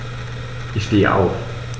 Ich stehe auf.